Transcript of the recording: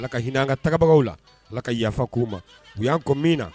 Ala ka hinɛ anan ka tagabagaw la ala ka yafa k' ma u y'an kɔ min na